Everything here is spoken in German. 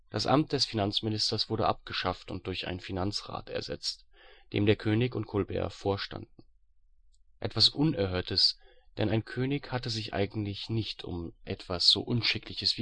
Das Amt des Finanzministers wurde abgeschafft und durch einen Finanzrat ersetzt, dem der König und Colbert vorstanden. Etwas unerhörtes, denn ein König hatte sich eigentlich nicht um etwas so unschickliches